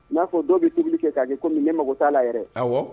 N'a fɔ dɔw bɛ tobili kɛ k'a kɛ ko nin ne mako t'a la yɛrɛ